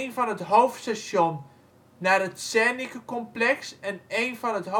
van het hoofdstation naar het Zernikecomplex en een van het